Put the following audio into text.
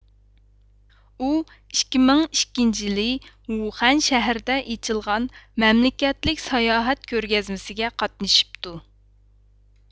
ئۇ ئىككى مىڭ ئىككىنچى يىلى ۋۇخەن شەھىرىدە ئېچىلغان مەملىكەتلىك ساياھەت كۆرگەزمىسىگە قاتنىشىپتۇ